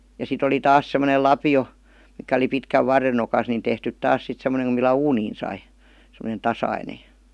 ja sitten oli taas semmoinen lapio mikä oli pitkän varren nokassa niin tehty taas sitten semmoinen kun millä uuniin sai semmoinen tasainen